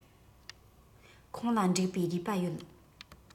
ཁོང ལ འགྲིག པའི རུས པ ཡོད